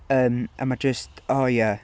Yym, a mae jyst, o ie...